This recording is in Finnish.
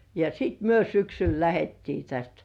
ja sitten me syksyllä lähdettiin tästä